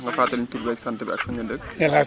di la wax nga fàttali ñu tur beeg sant bi ak fu ngeen dëkk